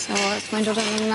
moyn dod â rhein?